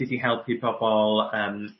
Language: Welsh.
sud i helpu pobol yym